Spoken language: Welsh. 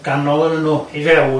gannol onyn n'w i fewn.